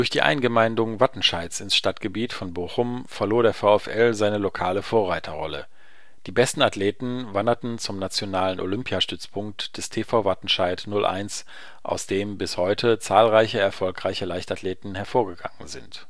die Eingemeindung Wattenscheids ins Stadtgebiet von Bochum verlor der VfL seine lokale Vorreiterrolle: die besten Athleten wanderten zum nationalen Olympiastützpunkt des TV Wattenscheid 01, aus dem bis heute zahlreiche erfolgreiche Leichtathleten hervorgegangen sind